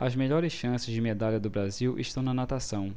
as melhores chances de medalha do brasil estão na natação